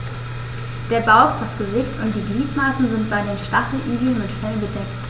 Der Bauch, das Gesicht und die Gliedmaßen sind bei den Stacheligeln mit Fell bedeckt.